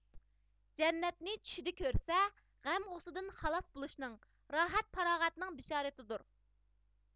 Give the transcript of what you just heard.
جەننەتنى چۈشىدە كۆرسە غەم غۇسسىدىن خالاس بولۇشنىڭ راھەت پاراغەتنىڭ بىشارىتىدۇر